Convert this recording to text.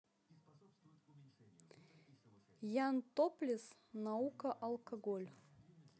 ян топлес наука алкоголь